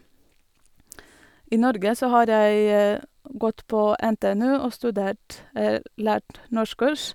I Norge så har jeg gått på NTNU og studert lært norskkurs.